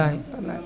wallaaxi wallaaxi